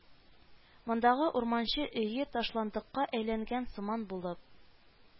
Мондагы урманчы өе ташландыкка әйләнгән сыман булып